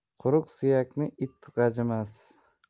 quruq suyakni it g'ajimas